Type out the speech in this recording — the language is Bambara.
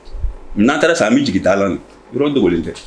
N'an taara san an bɛ jigin Dalan na yɔrɔn dogolen tɛ